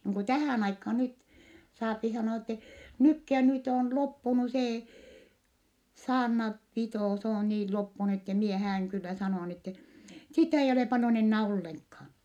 niin kuin tähän aikaan nyt saa sanoa että nytkin ja nyt on loppunut se saarna pito se on niin loppunut että minä häädyn kyllä sanoa niin että sitä ei ole paljon enää ollenkaan